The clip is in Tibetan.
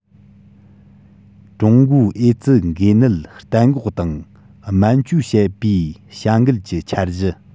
ཀྲུང གོའི ཨེ ཙི འགོས ནད གཏན འགོག དང སྨན བཅོས བྱེད པའི བྱ འགུལ གྱི འཆར གཞི